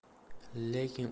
lekin ularning nolasi